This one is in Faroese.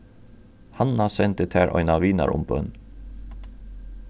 hanna sendi tær eina vinarumbøn